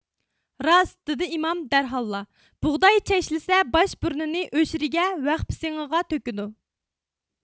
راست دېدى ئىمام دەرھاللا بۇغداي چەشلىسە باش بۇرنىنى ئۆشرىگە ۋەخپە سېڭىغا تۆكىدۇ